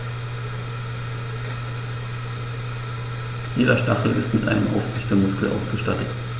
Jeder Stachel ist mit einem Aufrichtemuskel ausgestattet.